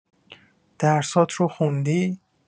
درسات رو خوندی؟